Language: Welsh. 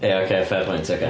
Ia oce fair point oce.